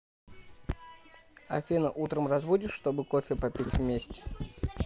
афина утром разбудишь шоб кофе пить вместе